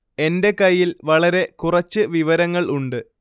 എന്റെ കയ്യിൽ വളരെ കുറച്ച് വിവരങ്ങൾ ഉണ്ട്